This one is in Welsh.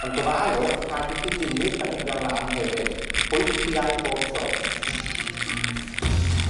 Ond gofalwch rhag i chi dynnu'r planhigion lan hefyd. Pwyll piau bob tro.